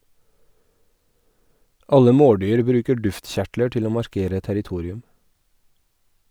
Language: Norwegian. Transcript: Alle mårdyr bruker duftkjertler til å markere territorium.